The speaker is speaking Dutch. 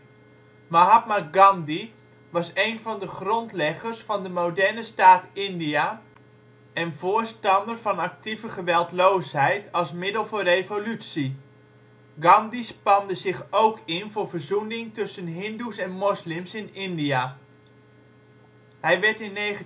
Mahatma Gandhi was een van de grondleggers van de moderne staat India en voorstander van het actieve geweldloosheid als middel voor revolutie. Gandhi spande zich ook in voor verzoening tussen hindoes en moslims in India. Hij werd in 1948